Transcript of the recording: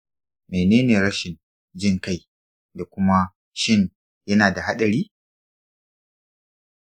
menene rashin jin kai da kuma shin yana da haɗari?